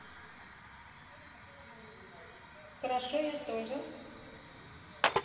хорошо я тоже